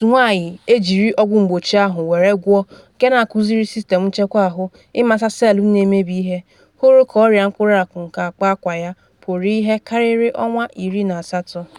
Otu nwanyị ejiri ọgwụ mgbochi ahụ were gwọ, nke na-akuziri sistem nchekwa ahụ ịmata selụ na-emebi ihe, hụrụ ka ọrịa mkpụrụ akụ nke akpa akwa ya pụrụ ihe karịrị ọnwa 18.